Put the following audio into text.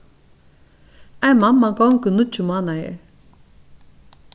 ein mamma gongur níggju mánaðir